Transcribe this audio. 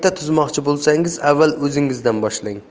tuzmoqchi bo'lsangiz avval o'zingizdan boshlang